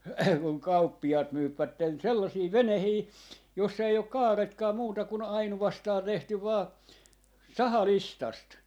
kun kauppiaat myyvät sellaisia veneitä jossa ei ole kaaretkaan muuta kuin ainoastaan tehty vain sahalistasta